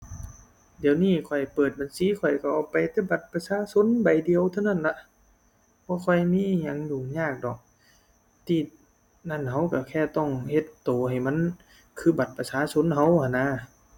เดี๋ยวนี้ข้อยเปิดบัญชีข้อยก็เอาไปแต่บัตรประชาชนใบเดียวเท่านั้นล่ะ บ่ค่อยมีอิหยังยุ่งยากดอก ที่นั่นก็ก็แค่ต้องเฮ็ดก็ให้มันคือบัตรประชาชนก็หั้นนะ